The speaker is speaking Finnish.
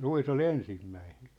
ruis oli ensimmäinen